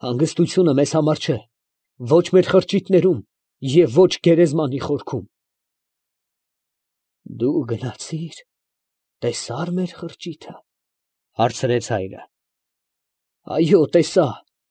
Հանգստությունը մեզ համար չէ, ո՛չ մեր խրճիթներում և ո՛չ գերեզմանի խորքում…։ ֊ Դու գնացի՞ր, տեսա՞ր մեր խրճիթը, ֊ հարցրեց հայրը։ ֊ Տեսա,